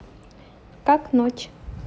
как ночь